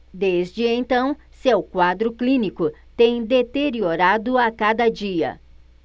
desde então seu quadro clínico tem deteriorado a cada dia